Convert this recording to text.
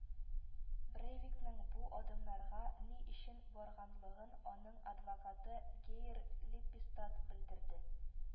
Брейвикның бу адымнарга ни өчен барганлыгын аның адвокаты Геир Липпестад белдерде